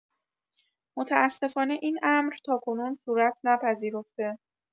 متاسفانه این امر تاکنون صورت نپذیرفته